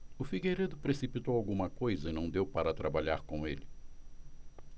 o figueiredo precipitou alguma coisa e não deu para trabalhar com ele